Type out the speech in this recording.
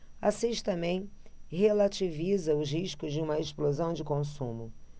assis também relativiza os riscos de uma explosão do consumo